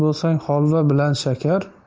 bo'lsang holva bilan shakar